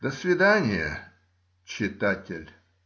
До свидания, читатель!